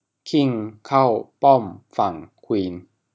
คิงเข้าป้อมฝั่งควีน